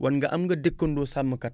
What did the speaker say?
wan nga am nga dëkkandoo sàmmkat